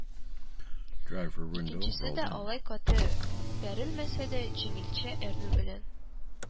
Икенчесе дә, алай каты бәрелмәсә дә, җиңелчә әрнү белән: